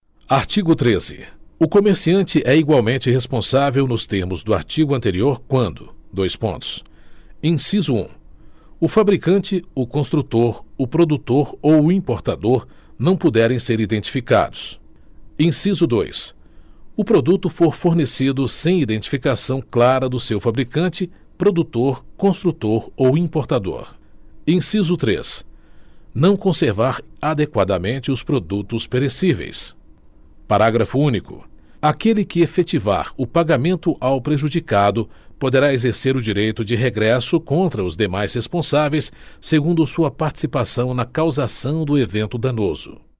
artigo treze o comerciante é igualmente responsável nos termos do artigo anterior quando dois pontos inciso um o fabricante o construtor o produtor ou o importador não puderem ser identificados inciso dois o produto for fornecido sem identificação clara do seu fabricante produtor construtor ou importador inciso três não conservar adequadamente os produtos perecíveis parágrafo único aquele que efetivar o pagamento ao prejudicado poderá exercer o direito de regresso contra os demais responsáveis segundo sua participação na causação do evento danoso